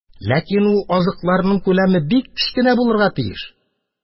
Ләкин ул азыкларның күләме бик кечкенә булырга тиеш.